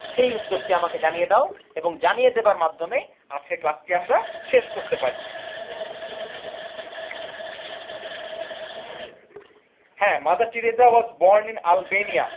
সে উত্তরটি আমাকে জানিয়ে দাও এবং জানিয়ে দেয়ার মাধ্যমে আছে ক্লাসটি আমরা শেষ করতে পারি হ্যাঁ Mother Teresa was born in Albania